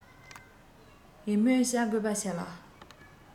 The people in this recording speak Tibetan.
ཡིད སྨོན བྱ དགོས པ ཞིག ལ